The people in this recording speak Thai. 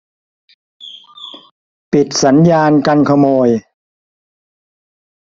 ปิดสัญญาณกันขโมย